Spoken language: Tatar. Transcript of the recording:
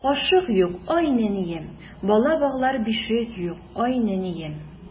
Кашык юк, ай нәнием, Бала баглар бишек юк, ай нәнием.